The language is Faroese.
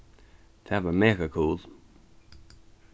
tað var mega kul